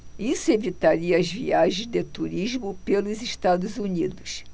isso evitaria as viagens de turismo pelos estados unidos